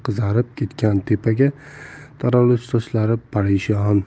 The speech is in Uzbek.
qizarib ketgan tepaga taraluvchi sochlari parishon